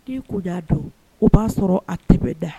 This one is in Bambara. Ni ko da don o b'a sɔrɔ atibe da